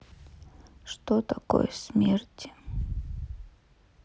что такое смерти